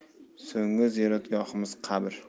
so'nggi ziyoratgohimiz qabr